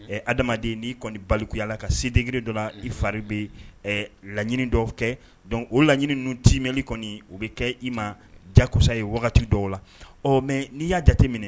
Ɛ adamadamaden n'i kɔni balikuyala ka sedgri donna i faririn bɛ laɲini dɔw kɛ don o laɲini ninnu timɛli kɔni u bɛ kɛ i ma jagosa ye wagati dɔw la ɔ mɛ n'i y'a jate minɛ